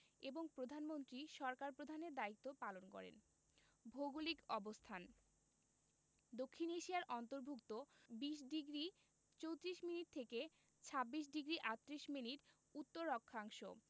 এবং প্রধানমন্ত্রী সরকার প্রধানের দায়িত্ব পালন করেন ভৌগোলিক অবস্থানঃ দক্ষিণ এশিয়ার অন্তর্ভুক্ত ২০ডিগ্রি ৩৪ মিনিট থেকে ২৬ ডিগ্রি ৩৮ মিনিট উত্তর অক্ষাংশ